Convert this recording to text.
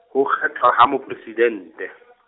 ho kgethwa ha Mopresidente.